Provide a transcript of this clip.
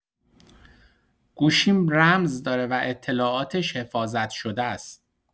گوشیم رمز داره و اطلاعاتش حفاظت‌شده‌س.